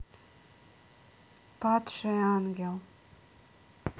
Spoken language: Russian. падший ангел